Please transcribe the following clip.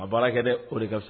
A baarakɛ dɛ o de ka